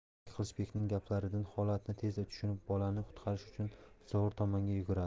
jo'rabek qilichbekning gaplaridan holatni tezda tushunib bolani qutqarish uchun zovur tomonga yuguradi